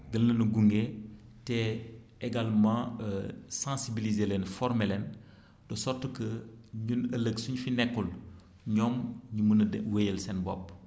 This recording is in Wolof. gën leen a gunge te également sensibiliser leen former leen de sorte que ñun ëllëg su ñu fi nekkul ñoom ñu mën a di wéyal seen bopp